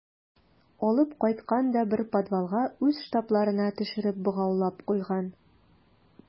Алып кайткан да бер подвалга үз штабларына төшереп богаулап куйган.